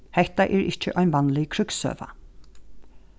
hetta er ikki ein vanlig krígssøga